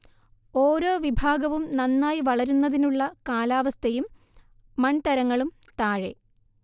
ഓരോ വിഭാഗവും നന്നായി വളരുന്നതിനുള്ള കാലാവസ്ഥയും മൺതരങ്ങളും താഴെ